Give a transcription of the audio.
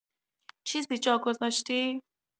چیزی جا گذاشتی؟